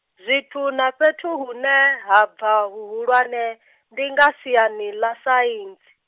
zwithu na fhethu hune ha bva huhulwane, ndi nga siani ḽa sai-.